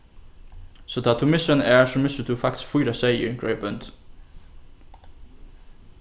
so tá tú missir eina ær so missir tú faktiskt fýra seyðir greiðir bóndin